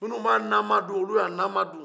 minnu bɛ a nama dun olu ye a nama dun